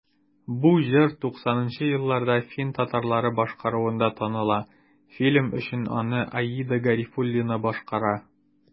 Бу җыр 90 нчы елларда фин татарлары башкаруында таныла, фильм өчен аны Аида Гарифуллина башкара.